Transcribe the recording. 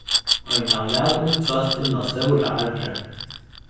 ein kann væl undrast inn á stóra arrið